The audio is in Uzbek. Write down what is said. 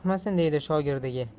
chiqmasin deydi shogirdiga